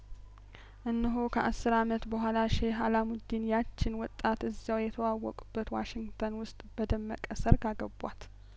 እነሆ ከአስር አመት በኋላ ሼህ አላሙዲን ያቺን ወጣት እዚያው የተዋወቁበት ዋሽንግተን ውስጥ በደመቀ ሰርግ አገቧት